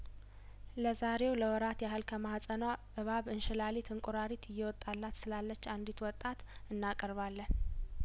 ለዛሬው ለወራት ያህል ከማህጸኗ እባብ እንሽላሊት እንቁራሪት እየወጣላት ስላለች አንዲት ወጣት እናቀርባለን